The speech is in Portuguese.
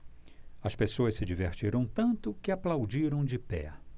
as pessoas se divertiram tanto que aplaudiram de pé